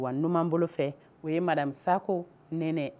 Wa numanumaan bolo fɛ u ye maramisa nɛnɛ